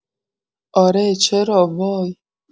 آره چرا وای